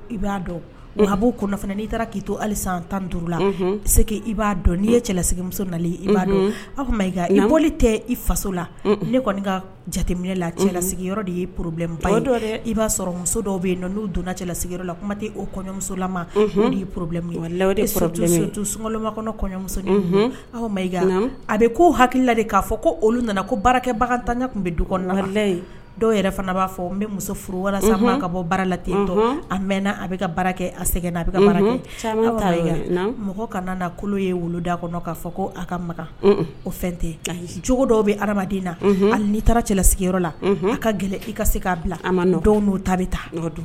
Tan ia dɔn ni ye cɛla la ne kɔni jate cɛla de y yeoro i'a donna kɔɲɔmuso kɔɲɔmuso a bɛ ko hala'a fɔ ko olu nana kokɛ bagan tan tun bɛ dulayi dɔw yɛrɛ fana b'a fɔ n bɛ muso furu ka bɔ la ten a mɛnna a bɛkɛ a sɛgɛn a bɛ mɔgɔ kana kolo ye woloda kɔnɔa fɔ ko ka makan o fɛn tɛ joogo dɔw bɛ adamaden na'i taara cɛla sigiyɔrɔ la ka gɛlɛn ka se bila dɔw n'o ta ta